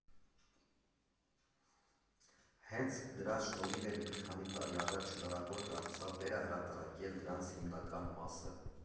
Հենց դրա շնորհիվ էլ մի քանի տարի առաջ հնարավոր դարձավ վերահրատարակել դրանց հիմնական մասը։